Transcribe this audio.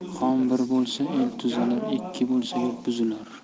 xon bir bo'lsa el tuzalar ikki bo'lsa yurt buzilar